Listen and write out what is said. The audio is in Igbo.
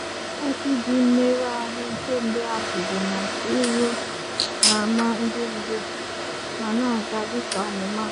Spieth dị mmerụ ahụ kemgbe akụpụrụ na tee ruo na ama ndu ndu ma na-aga dịka ọmụmatụ.